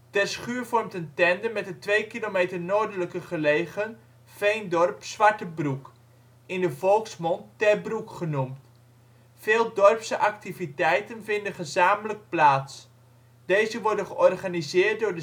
Terschuur vormt een tandem met het 2 kilometer noordelijker gelegen veendorp Zwartebroek; in de volksmond ' Terbroek ' genoemd. Veel dorpse activiteiten vinden gezamenlijk plaats, deze worden georganiseerd door